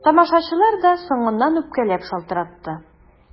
Тамашачылар да соңыннан үпкәләп шалтыратты.